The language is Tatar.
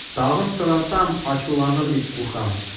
Тагын сорасам, ачуланыр дип куркам.